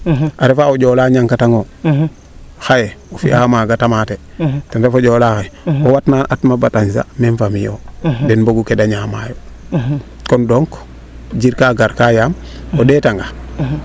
a refa o Ndiola ñakatango xaye o fiya maaga tomate ten ref o Ndiola xe o watna atma batañsa meme famille yoo den mbogu keede ñama yo kon donc jik kaa gar kaa yaam o ndeta nga